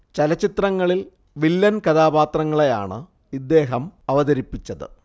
ചലച്ചിത്രങ്ങളിൽ villain കഥാപാത്രങ്ങളെയാണ് ഇദ്ദേഹം അവതരിപ്പിച്ചത്